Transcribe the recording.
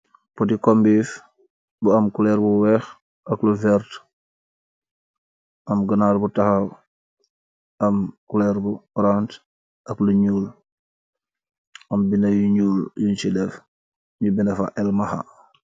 Poti kombif bu am culeer bu weex ak lu verte am gonaar bu taxaw am culeer bu orance ak lu ñuul am beda yu ñuul yuñ ci def ñu bedafa el maha.